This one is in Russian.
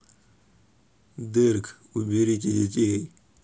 dark уберите детей